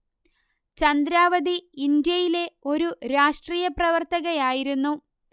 ചന്ദ്രാവതിഇന്ത്യയിലെ ഒരു രാഷ്ട്രീയ പ്രവർത്തകയായിരുന്നു